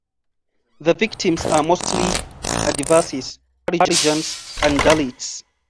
The victims are mostly Adivasis, Harijans and Dalits.